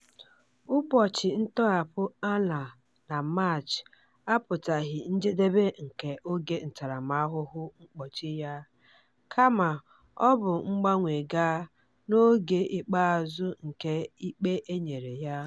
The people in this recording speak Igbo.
Ụbọchị ntọghapụ Alaa na Maachị apụtaghị njedebe nke oge ntaramahụhụ mkpọchi ya, kama ọ bụ mgbanwe gaa n'oge ikpeazụ nke ikpe e nyere ya.